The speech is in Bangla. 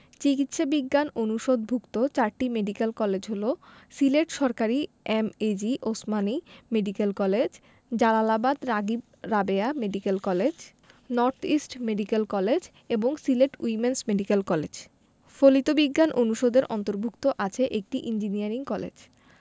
চিকিৎসা বিজ্ঞান অনুষদভুক্ত চারটি মেডিকেল কলেজ হলো সিলেট সরকারি MAG Osmani medical college Jalalabad Ragib Rabeya medical college north east medical college এবং সিলেট উইম্যানস মেডিকেল কলেজ ফলিত বিজ্ঞান অনুষদের অন্তর্ভুক্ত আছে একটি ইঞ্জিনিয়ারিং কলেজ